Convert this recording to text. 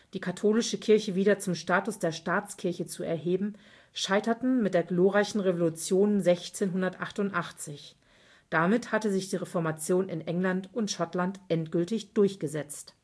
die katholische Kirche wieder zum Status der Staatskirche zu erheben, scheiterten mit der Glorreichen Revolution (1688). Damit hatte sich die Reformation in England und Schottland endgültig durchgesetzt